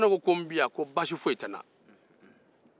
ko ne ko n bɛ yan ko baasi foyi tɛ n na